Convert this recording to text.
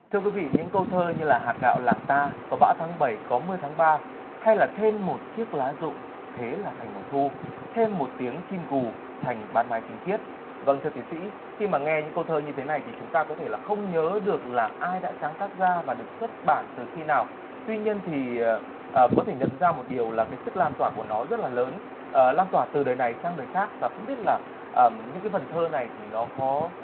thưa quý vị những câu thơ như là hạt gạo làng ta có bão tháng bảy có mưa tháng ba hay là thêm một chiếc lá rụng thế là thành mùa thu thêm một tiếng chim gù thành ban mai tinh khiết vâng thưa tiến sĩ khi mà nghe những câu thơ như thế này thì chúng ta có thể là không nhớ được là ai đã sáng tác ra và được xuất bản từ khi nào tuy nhiên thì ờ có thể nhận ra một điều là sức lan tỏa của nó rất là lớn ờ lan tỏa từ đời này sang đời khác và không biết là à những cái phần thơ này thì nó có